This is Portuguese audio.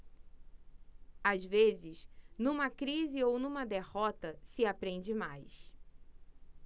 às vezes numa crise ou numa derrota se aprende mais